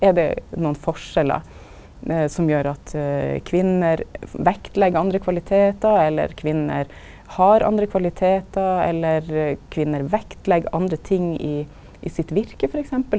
er det nokon forskjellar som gjer at kvinner vektlegg andre kvalitetar, eller kvinner har andre kvalitetar, eller kvinner vektlegg andre ting i i sitt virke for eksempel?